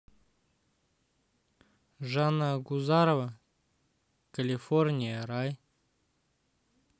жанна агузарова калифорния рай